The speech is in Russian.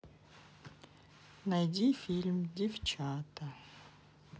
найди фильм девчата